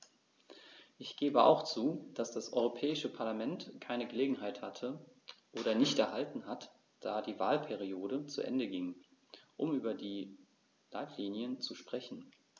Ich gebe auch zu, dass das Europäische Parlament keine Gelegenheit hatte - oder nicht erhalten hat, da die Wahlperiode zu Ende ging -, um über die Leitlinien zu sprechen.